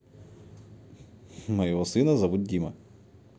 моего сына зовут дима